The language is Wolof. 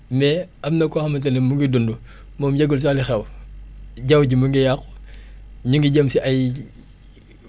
mais am na koo xamante ne mu ngi dund moom yëgul sax li xaw jaww ji mu ngi yàqu ñu ngi jëm si ay